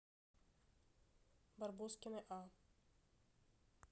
барбоскины а